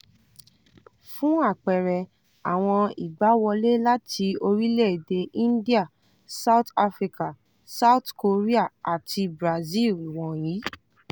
Fún àpẹẹrẹ, àwọn ìgbàwọlé láti orílẹ-èdè India, South Africa, South Korea àti Brazil wọ̀nyìí.